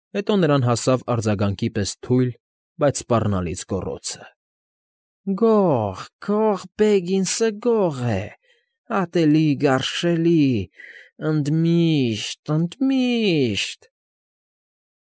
Հետո նրան հասավ արձագանքի պես թույլ, բայց սպառնալից գոռոցը. «Գո՛ղ, գո՛ղ… Բեգինս֊ս֊ս֊սը գող է… ատելի, գարշ֊շ֊շ֊շելի, ընդմիշ֊շ֊շտ, ընդմիշ֊շ֊շտ…»։